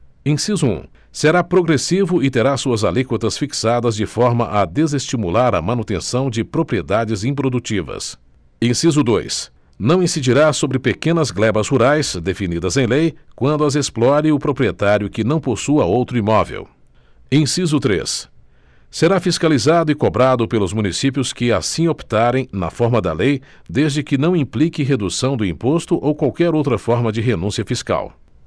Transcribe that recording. inciso um será progressivo e terá suas alíquotas fixadas de forma a desestimular a manutenção de propriedades improdutivas inciso dois não incidirá sobre pequenas glebas rurais definidas em lei quando as explore o proprietário que não possua outro imóvel inciso três será fiscalizado e cobrado pelos municípios que assim optarem na forma da lei desde que não implique redução do imposto ou qualquer outra forma de renúncia fiscal